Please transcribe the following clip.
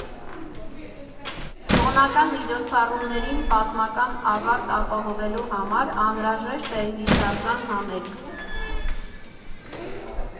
Տոնական միջոցառումներին պատմական ավարտ ապահովելու համար անհրաժեշտ է հիշարժան համերգ։